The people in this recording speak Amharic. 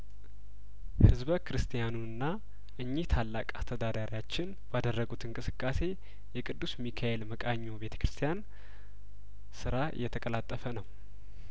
ህዝበ ክርስቲያኑና እኚህ ታላቅ አስተዳዳሪያችን ባደረጉት እንቅስቃሴ የቅዱስ ሚካኤል መቃኞ ቤተክርስቲያን ስራ እየተቀላጠፈ ነው